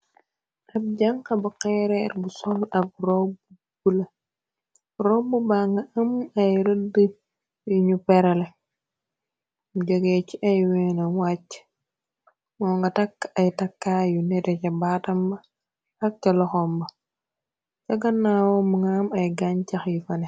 Ab jànxa ba xeereer bu sol ab ro bule ro bu ba nga am ay rëdd rinu perale jogee ci ay weene wàcc moo nga tàkk ay takkaa yu nete ca baatamba xakce loxomba cagannaao m ngaam ay gañ caxi fane.